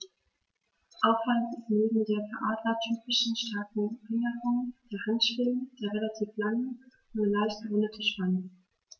Auffallend ist neben der für Adler typischen starken Fingerung der Handschwingen der relativ lange, nur leicht gerundete Schwanz.